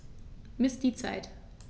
Miss die Zeit.